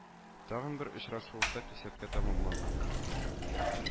Тагын бер очрашу уртак исәпкә тәмамланган